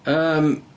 Yym.